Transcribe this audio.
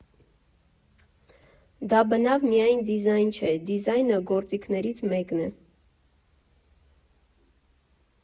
Դա բնավ միայն դիզայն չէ, դիզայնը գործիքներից մեկն է։